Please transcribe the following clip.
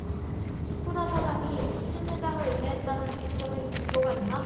스쿠다 사장이 신 회장을 음해했다는 구체적 근거가 있나